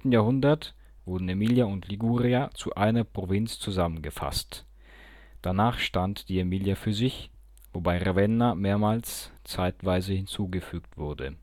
Jahrhundert wurden Aemilia und Liguria zu einer Provinz zusammengefasst. Danach stand die Aemilia für sich, wobei Ravenna mehrmals zeitweise hinzugefügt wurde